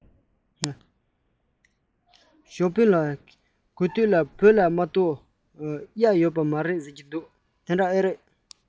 ཞའོ ཧྥུང ལགས གོ ཐོས ལ བོད ལ མ གཏོགས གཡག ཡོད མ རེད ཟེར གྱིས དེ འདྲ ཡིན ན